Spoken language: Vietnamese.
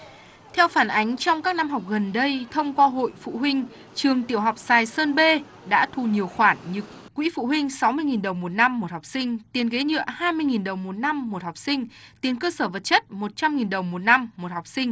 theo phản ánh trong các năm học gần đây thông qua hội phụ huynh trường tiểu học sài sơn bê đã thu nhiều khoản như quỹ phụ huynh sáu mươi nghìn đồng một năm một học sinh tiền ghế nhựa hai mươi nghìn đồng một năm một học sinh tiền cơ sở vật chất một trăm nghìn đồng một năm một học sinh